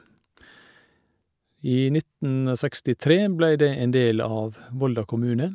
I nitten sekstitre ble det en del av Volda kommune.